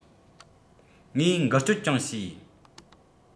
ངས འགུལ སྐྱོད ཀྱང བྱས